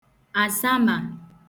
àzamà